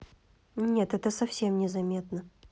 нет это совсем не заметно